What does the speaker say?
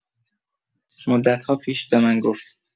مدت‌ها پیش به من گفت